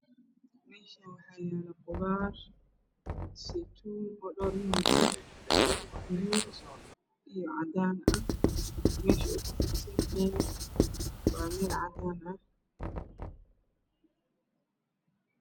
Meshan waxaa yaalo qudaar saytuun oo dhowr midab leh guduud iyo cadan ah mesha uu kufidsanyahayna waa meel cagaar ah